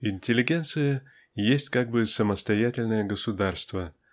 Интеллигенция есть как бы самостоятельное государство